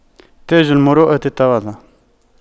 تاج المروءة التواضع